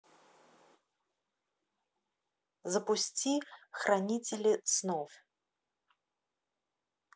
запусти хранители снов